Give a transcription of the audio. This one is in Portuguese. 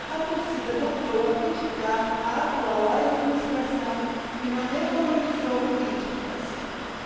a torcida voltou a criticar a atual administração e não economizou críticas